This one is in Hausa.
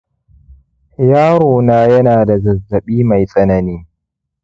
yarona yanada zazzabi mai tsanani